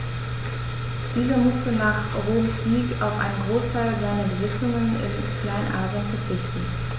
Dieser musste nach Roms Sieg auf einen Großteil seiner Besitzungen in Kleinasien verzichten.